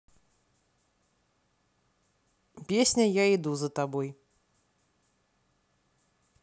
песня я иду за тобой